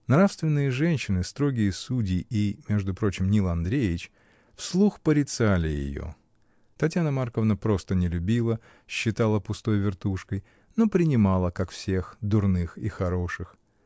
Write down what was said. Нравственные женщины, строгие судьи, и между прочим Нил Андреевич, вслух порицали ее, Татьяна Марковна просто не любила, считала пустой вертушкой, но принимала, как всех, дурных и хороших.